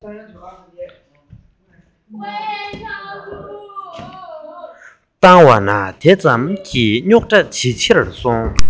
བཏང བ ན དེ ཙམ གྱིས རྙོག དྲ ཇེ ཆེར སོང